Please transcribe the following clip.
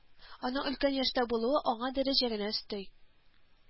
Аның өлкән яшьтә булуы, аңа дәрәҗә генә өсти